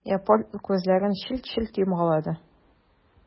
Япон күзләрен челт-челт йомгалады.